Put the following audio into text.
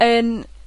yn